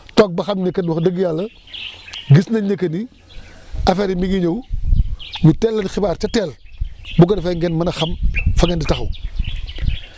toog ba xam ne kat wax dëgg yàlla gis nañ ni que ni affaires yi mi ñi ñëw mu teel leen xibaar ca teel bu ko defee ngeen mën a xam fa ngeen di taxaw